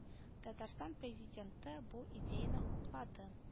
Татарстан президенты бу идеяне хуплады